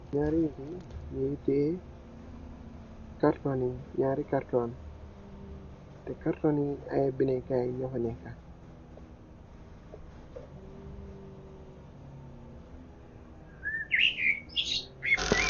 Nyarii nit nyungi teh ai carton, teh cartoon yii ai bine kai nyusi neka.